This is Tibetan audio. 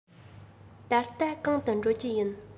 ད ལྟ གང དུ འགྲོ རྒྱུ ཡིན